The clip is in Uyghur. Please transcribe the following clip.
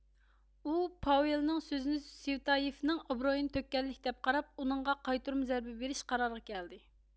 ئۇ پاۋېلنىڭ سۆزىنى سۋېتايېفنىڭ ئابرۇيىنى تۆككەنلىك دەپ قاراپ ئۇنىڭغا قايتۇرما زەربە بېرىش قارارىغا كەلدى